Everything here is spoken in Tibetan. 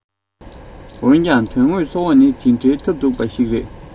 འོན ཀྱང དོན དངོས འཚོ བ ནི ཇི འདྲའི ཐབས སྡུག པ ཞིག རེད